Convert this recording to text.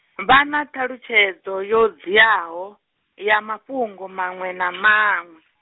vhana ṱhalutshedzo yo dziaho, ya mafhungo manwe na manwe.